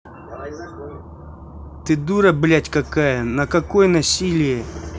ты дура блядь какая на какой насилие